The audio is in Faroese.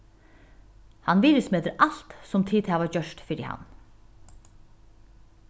hann virðismetir alt sum tit hava gjørt fyri hann